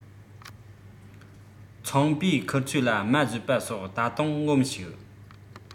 ཚངས པའི མཁུར ཚོས ལ རྨ བཟོས པ སོགས ད དུང ངོམས ཤིག